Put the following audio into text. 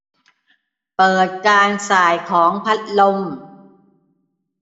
เปิดการส่ายของพัดลม